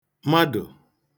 madụ̀